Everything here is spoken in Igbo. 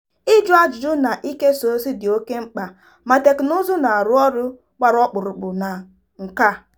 Ịjụ ajụjụ na ikesa ozi dị oke mkpa, ma teknụzụ na-arụ ọrụ gbara ọkpụrụkpụ na nke a.